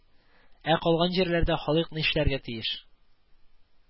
Ә калган җирләрдә халык нишләргә тиеш